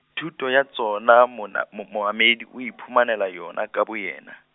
thuto ya tsona mona- mo, momamedi, o iphumanela yona ka boyena.